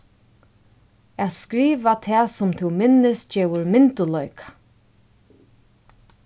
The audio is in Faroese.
at skriva tað sum tú minnist gevur myndugleika